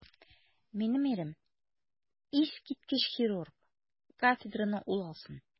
Минем ирем - искиткеч хирург, кафедраны ул алсын.